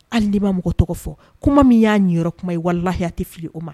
Hali ni ma mɔgɔ tɔgɔ fɔ . Kuma min ya niyɔrɔ kuma ye walahi a tɛ fili o ma.